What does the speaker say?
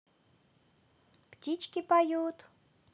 птички поют